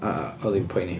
A oedd hi'n poeni.